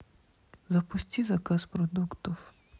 запусти заказ продуктов